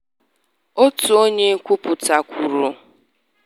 Otu onye nkwupụta kwuru: